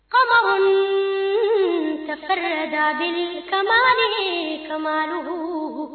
Faamasonin cɛ da kamalenin kadugu